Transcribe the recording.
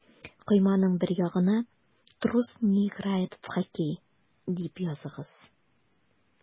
Койманың бер ягына «Трус не играет в хоккей» дип языгыз.